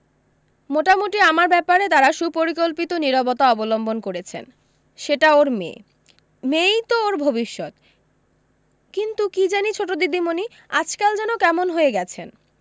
মোটামুটি আমার ব্যাপারে তারা সুপরিকল্পিত নীরবতা অবলম্বন করেছেন সেটা ওর মেয়ে মেয়েই তো ওর ভবিষ্যত কিন্তু কী জানি ছোট দিদিমণি আজকাল যেন কেমন হয়ে গেছেন